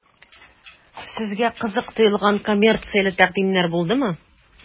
Сезгә кызык тоелган коммерцияле тәкъдимнәр булдымы?